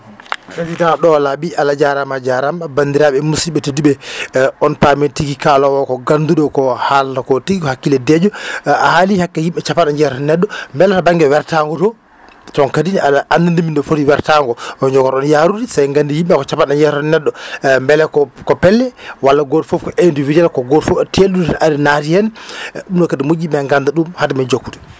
président ɗo laaɓi Allah jarama a jarama bandiraɓe musidɓe tedduɓe on paami tigui kalawo o ko ganduɗo ko haalata ko tigui ko hakkille dejƴo a haali hakke yimɓe capanɗe jeetato neɗɗo beele to banggue wertago to toon kadi aɗa andini min no foti wertago no jogorɗon yarude sen gandi yimɓeɓe ko capanɗe jeetato neɗɗo beele ko ko pelle walla foof ko individuel goto foof telnude ari naati hen ɗum kadi moƴƴi yimɓeɓe ganda ɗum haademen jokkude